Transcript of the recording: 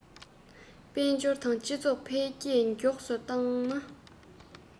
བོད དང ཞིང ཆེན བཞིའི བོད རིགས ས ཁུལ གྱི